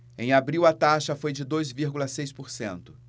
em abril a taxa foi de dois vírgula seis por cento